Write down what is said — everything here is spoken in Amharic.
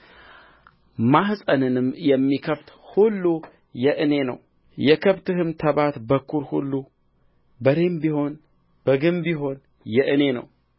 ማኅፀንንም የሚከፍት ሁሉ የእኔ ነው የከብትህም ተባት በኵር ሁሉ በሬም ቢሆን በግም ቢሆን የእኔ ነው